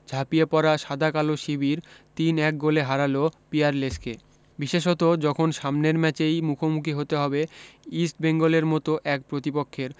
ঝাঁপিয়ে পড়া সাদা কালো শিবির তিন এক গোলে হারাল পিয়ারলেসকে বিসেষত যখন সামনের ম্যাচেই মুখোমুখি হতে হবে ইস্টবেঙ্গলের মত এক প্রতিপক্ষের